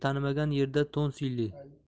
tanimagan yerda to'n siyli